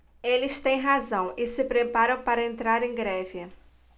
eles têm razão e se preparam para entrar em greve